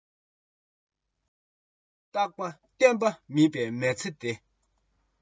རྟག པ བརྟན པ མེད པའི མི ཚེ འདི